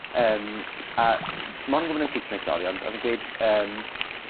yym a mond gwbod yn Seisneg sori ond odd e'n gweud yym